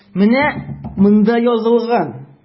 Менә монда язылган.